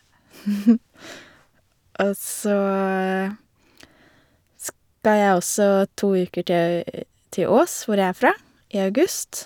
Og så skal jeg også to uker til til Ås, hvor jeg er fra, i august.